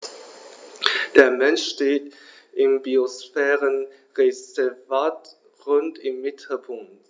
Der Mensch steht im Biosphärenreservat Rhön im Mittelpunkt.